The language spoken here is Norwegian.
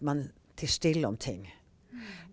man tier stille om ting.